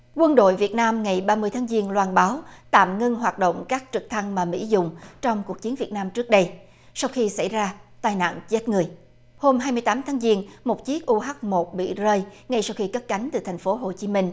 quân đội việt nam ngày ba mươi tháng giêng loan báo tạm ngưng hoạt động các trực thăng mà mỹ dùng trong cuộc chiến việt nam trước đây sau khi xảy ra tai nạn chết người hôm hai mươi tám tháng giêng một chiếc u hát một bị rơi ngay sau khi cất cánh từ thành phố hồ chí minh